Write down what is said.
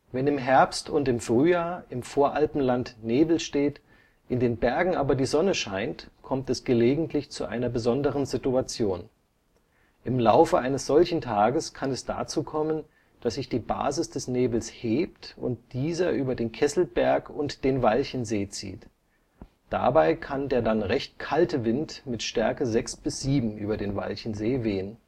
Wenn im Herbst und im Frühjahr im Voralpenland Nebel steht, in den Bergen aber die Sonne scheint, kommt es gelegentlich zu einer besonderen Situation. Im Laufe eines solchen Tages kann es dazu kommen, dass sich die Basis des Nebels hebt und dieser über den Kesselberg und den Walchensee zieht. Dabei kann der dann recht kalte Wind mit Stärke 6 bis 7 über den Walchensee wehen